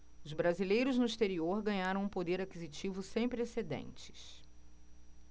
os brasileiros no exterior ganharam um poder aquisitivo sem precedentes